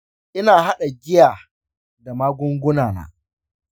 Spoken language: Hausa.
ina haɗa giya da magungunana.